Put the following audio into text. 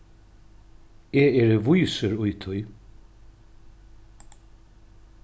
eg eri vísur í tí